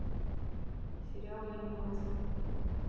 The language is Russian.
сериал реанимация